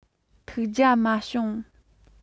ཐུགས རྒྱལ མ བྱུང